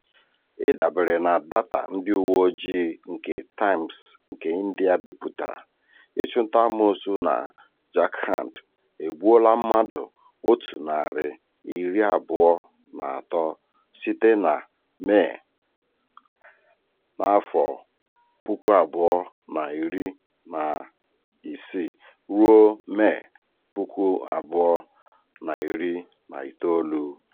Ịdabere na daata ndị uwe ojii nke Times nke India bipụtara, ịchụnta-amoosu na Jharkhand egbuola mmadụ 123 site na Mee 2016 ruo Mee 2019.